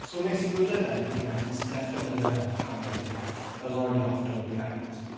So wnes i gwylio fe'n hwyrach, wnes i dechrau wylio fe am like hanner awr 'di naw. So I was already half an hour behind.